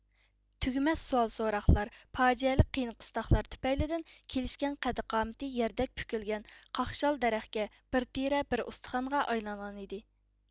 تۈگىمەس سوئال سوراقلار پاجىئەلىك قىيىن قىستاقلار تۈپەيلىدىن كېلىشكەن قەددى قامىتى ياردەك پۈكۈلگەن قاقشال دەرەخكە بىر تېرە بىر ئۇستىخانغا ئايلانغان ئىدى